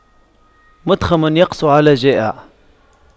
مُتْخَمٌ يقسو على جائع